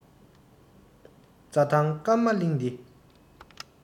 རྩ ཐང སྐར མ གླིང འདི